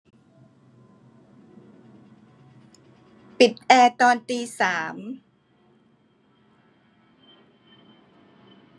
ปิดแอร์ตอนตีสาม